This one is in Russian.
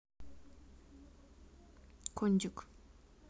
кондик